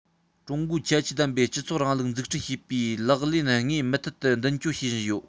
ཀྲུང གོའི ཁྱད ཆོས ལྡན པའི སྤྱི ཚོགས རིང ལུགས འཛུགས སྐྲུན བྱེད པའི ལག ལེན དངོས མུ མཐུད མདུན སྐྱོད བྱེད བཞིན ཡོད